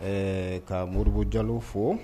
Ɛɛ ka Modibo Jalo fo